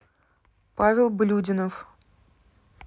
павел блюденов